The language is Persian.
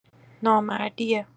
نامردیه